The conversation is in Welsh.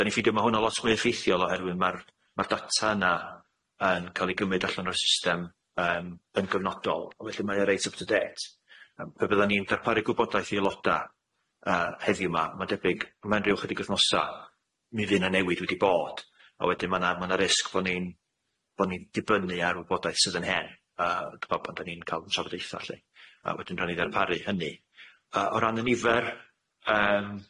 'da ni'n ffindio ma' hwnna lot mwy effeithiol oherwydd ma'r ma'r data yna yn ca'l ei gymyd allan o'r system yym yn gyfnodol a felly mae o reit yp tŵ dêt yym pe byddan ni'n darparu gwybodaeth i euloda yy heddiw 'ma ma'n debyg mewn ryw chydig wthnosa mi fydd 'na newid wedi bod a wedyn ma' 'na ma' 'na risg bo ni'n bo ni'n dibynnu ar wybodaeth sydd yn hen yy d- bo- pan 'da ni'n ca'l trafodaetha' lly a wedyn nown ni ddarparu hynny. Yy o ran y nifer yym